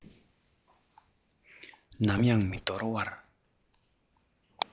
ནམ ཡང མི འདོར བར